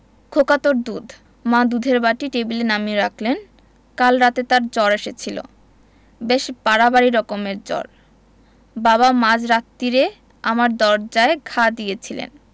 খোকা তোর দুধ মা দুধের বাটি টেবিলে নামিয়ে রাখলেন কাল রাতে তার জ্বর এসেছিল বেশ বাড়াবাড়ি রকমের জ্বর বাবা মাঝ রাত্তিরে আমার দরজায় ঘা দিয়েছিলেন